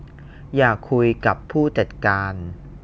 อยากคุยกับผู้จัดการ